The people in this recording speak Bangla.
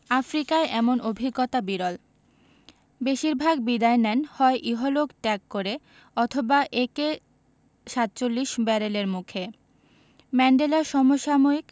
আফ্রিকায় এমন অভিজ্ঞতা বিরল বেশির ভাগ বিদায় নেন হয় ইহলোক ত্যাগ করে অথবা একে ৪৭ ব্যারেলের মুখে ম্যান্ডেলার সমসাময়িক